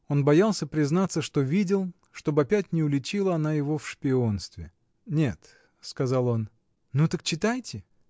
Он боялся признаться, что видел, чтоб опять не уличила она его в шпионстве. — Нет, — сказал он. — Ну так читайте.